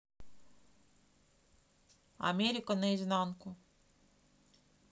америка наизнанку